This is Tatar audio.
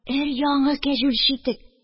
Өр-яңы кәҗүл читек